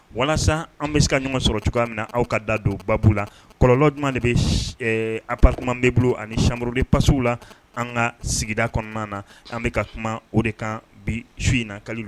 Walasa an bɛ se ka ɲɔgɔn sɔrɔ cogoya min na, aw ka da don baabu la. kɔlɔlɔ jumɛn de bɛ ɛɛ Appartement meuble ani chambre de passes u la ? An ka sigida kɔnɔna na . An bi ka kuma o de kan bi su in na kari